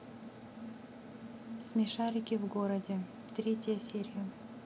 смешарики в городе третья серия